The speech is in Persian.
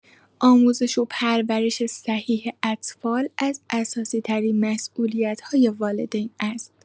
آموزش و پرورش صحیح اطفال از اساسی‌ترین مسئولیت‌های والدین است.